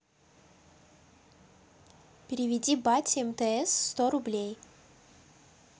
переведи бате мтс сто рублей